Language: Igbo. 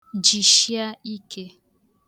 jìshịa ike